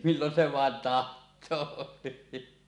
milloin se vain tahtoo